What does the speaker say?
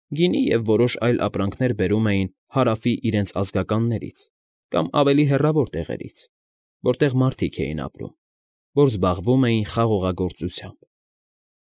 Գինին և որոշ այլ ապրանքներ բերում էին Հարավի իրենց ազգականներից կամ ավելի հեռավոր տեղերից, որտեղ մարդիկ էին ապրում, որ զբաղվում էին խաղողագործությամբ։